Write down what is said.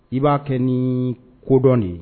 I b'a kɛ ni kodɔn de